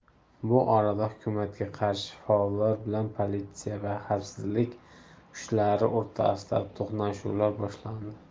bu orada hukumatga qarshi faollar bilan politsiya va xavfsizlik kuchlari o'rtasida to'qnashuvlar boshlandi